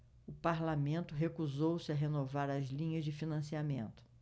o parlamento recusou-se a renovar as linhas de financiamento